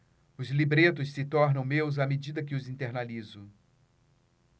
os libretos se tornam meus à medida que os internalizo